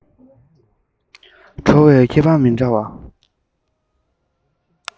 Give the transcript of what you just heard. བྲོ བའི ཁྱད པར མི འདྲ བ